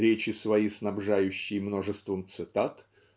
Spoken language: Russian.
речи свои снабжающий множеством цитат